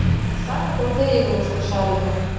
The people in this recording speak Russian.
самые крутые игрушки шарики